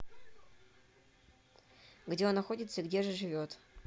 где он находится и где же живет